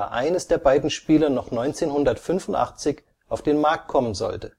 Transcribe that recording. eines der beiden Spiele noch 1985 auf den Markt kommen sollte